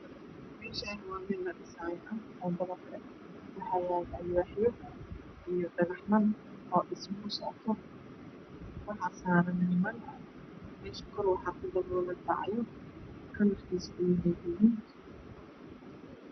Meshani waaxaa yala alwaxyo iyo dhaxaman oo dhismo ku socoto waxaa saran niman kor waxaa ku daboolan bacyo kalarkiisu yahay gaduud